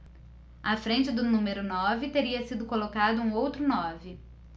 à frente do número nove teria sido colocado um outro nove